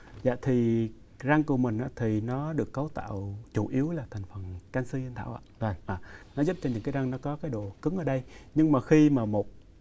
dạ thì răng của mình á thì nó được cấu tạo chủ yếu là thành phần canxi anh thảo ạ vầng nó giúp cho những cái răng nó có cái độ cứng ở đây nhưng mà khi mà một